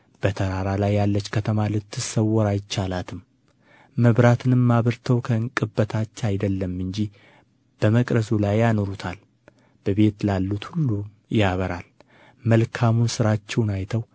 በተራራ ላይ ያለች ከተማ ልትሰወር አይቻላትም መብራትንም አብርተው ከዕንቅብ በታች አይደለም እንጂ በመቅረዙ ላይ ያኖሩታል በቤት ላሉት ሁሉም ያበራል መልካሙን ሥራችሁን አይተው